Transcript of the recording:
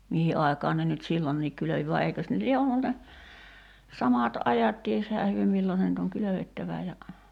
mihin aikaan ne nyt silloinkin kylvi vaan eikös ne lie ollut ne samat ajat tiesihän he nyt milloin se nyt on kylvettävä ja